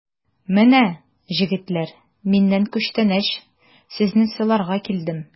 Менә, җегетләр, миннән күчтәнәч, сезне сыйларга килдем!